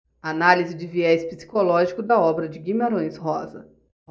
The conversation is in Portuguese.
análise de viés psicológico da obra de guimarães rosa